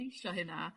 ...lleisio hynna